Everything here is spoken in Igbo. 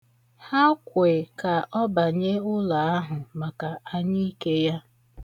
Ha kwe ka ọ banye ụlọ ahụ maka anyiike ya.